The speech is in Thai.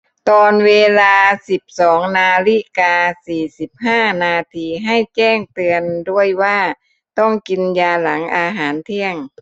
ตอนเวลาสิบสองนาฬิกาสี่สิบห้านาทีให้แจ้งเตือนด้วยว่าต้องกินยาหลังอาหารเที่ยง